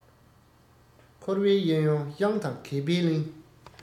འཁོར བའི གཡས གཡོན གཡང དང གད པའི གླིང